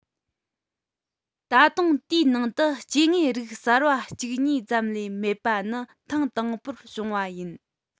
ད དུང དེའི ནང དུ སྐྱེ དངོས རིགས གསར པ གཅིག གཉིས ཙམ ལས མེད པ ནི ཐེངས དང པོར བྱུང བ ཡིན